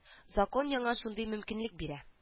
Закон аңа шундый мөмкинлек бирә